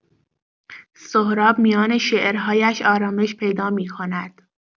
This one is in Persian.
سهراب میان شعرهایش آرامش پیدا می‌کند.